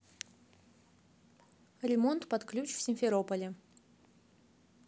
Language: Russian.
ремонт под ключ в симферополе